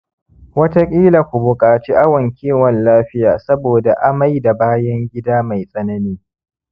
wataƙila ku buƙaci awon kiwon-lafiya saboda amai da bayan-gida mai tsanani